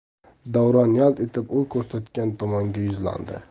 davron yalt etib u ko'rsatgan tomonga yuzlandi